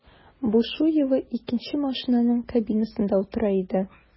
Бушуева икенче машинаның кабинасында утыра иде.